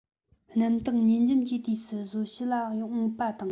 གནམ དྭངས ཉི འཇམ གྱི དུས སུ གཟོད ཕྱི ལ འོངས པ དང